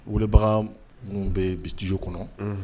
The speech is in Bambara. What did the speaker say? Wele bagan minnu bɛ yen bituju kɔnɔ